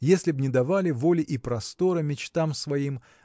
если б не давали воли и простора мечтам своим